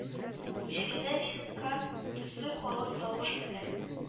Мичкәдән чыккан төсле калын тавыш белән: